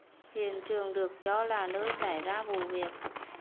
hiện trường được cho là nơi xảy ra vụ việc